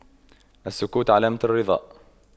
السكوت علامة الرضا